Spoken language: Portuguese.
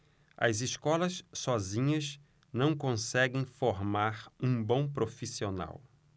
as escolas sozinhas não conseguem formar um bom profissional